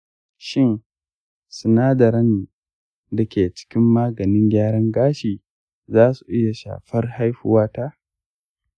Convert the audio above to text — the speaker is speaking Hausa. shin sinadaran da ke cikin maganin gyaran gashi za su iya shafar haihuwa ta?